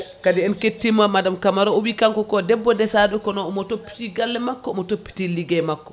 kadi en kettima madame Camara o wi kanko ko debbo desaɗo kono omo toppiti galle makko omo toppiti ligguey makko